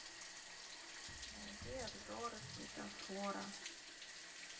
найди обзоры светофора